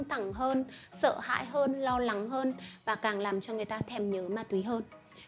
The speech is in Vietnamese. sợ hãi hơn lo lắng hơn và càng làm cho người ta thèm nhớ ma túy hơn